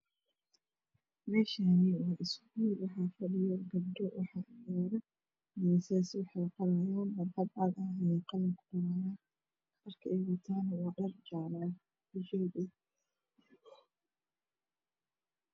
Meeshaan waa iskuul waxaa fadhiyo gabdho waxa jooga geesaha waxay qorayaan warqad cagaar ah ay qalin dharka ay wataana waa dhar jaallo ah.